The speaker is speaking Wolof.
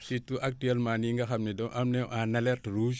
surtout actuellement nii nga xam ne doo on est en alerte rouge